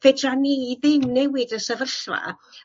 fedra ni ddim newid yn sefyllfa